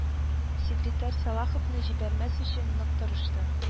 Секретарь Салаховны җибәрмәс өчен нык тырышты